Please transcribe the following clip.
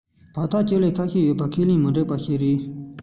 བར ཐག སྤྱི ལེ ཁ ཤས ཡོད པའི ཁས ལེན མི འགྲིག པ ཞིག རེད